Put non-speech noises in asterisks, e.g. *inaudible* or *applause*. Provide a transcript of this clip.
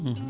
*hesitation* *hesitation*